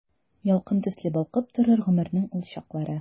Ялкын төсле балкып торыр гомернең ул чаклары.